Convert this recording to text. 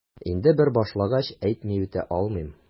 Инде бер башлангач, әйтми үтә алмыйм...